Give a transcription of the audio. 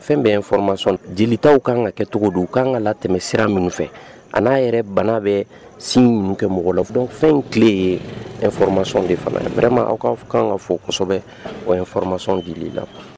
Fɛn bɛ fma jeli taw ka kan ka kɛ cogo di u ka kanan ka la tɛmɛ sira minnu fɛ a n'a yɛrɛ bana bɛ sin ninnu kɛ mɔgɔ la fɛn in tile ye foroma de aw ka fɔ kan ka fɔsɛbɛ foroma la